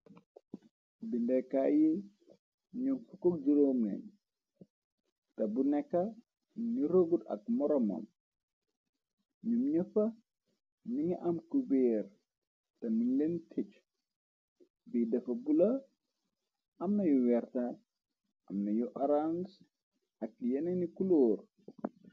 Bindekaay yi ñoo 15 te bu nekka ni roogut ak moramon ñuom ñëfa ni ngi am kubeer te miñ leen ticc biy dafa bu la amnayu werta amnayu arang ak yeneeni kulóor.